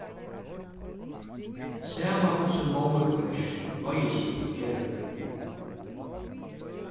sama hvussu móður tú ert noyðist tú at gera tað